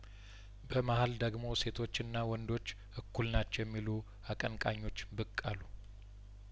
በመሀል ደግሞ ሴቶችና ወንዶች እኩል ናቸው የሚሉ አቀንቃኞች ብቅ አሉ